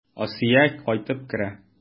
Асия кайтып керә.